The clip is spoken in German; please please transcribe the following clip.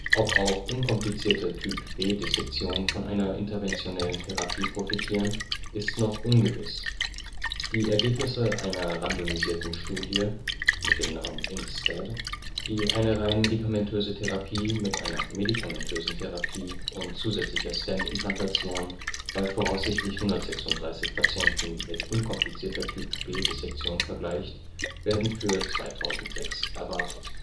Ob auch unkomplizierte Typ-B-Dissektionen von einer interventionellen Therapie profitieren, ist noch ungewiss. Die Ergebnisse einer randomisierten Studie (INSTEAD), die eine rein medikamentöse Therapie mit einer medikamentösen Therapie und zusätzlicher Stent-Implantation bei voraussichtlich 136 Patienten mit unkomplizierter Typ-B-Dissektion vergleicht, werden für 2006 erwartet